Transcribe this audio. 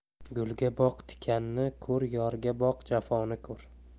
gulga boq tikanni ko'r yorga boq jafoni ko'r